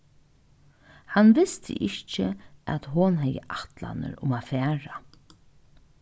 hann visti ikki at hon hevði ætlanir um at fara